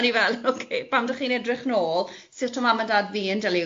O'n i fel, pam 'dach chi'n edrych nôl, sut o'dd mam a dad fi